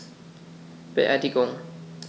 Beerdigung